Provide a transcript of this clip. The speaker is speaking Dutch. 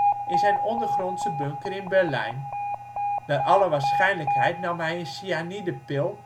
ondergrondse bunker in Berlijn. Naar alle waarschijnlijkheid nam hij een cyanidepil